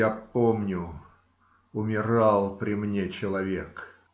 Я помню: умирал при мне человек